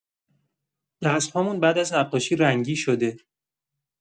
دست‌هامون بعد از نقاشی رنگی شده.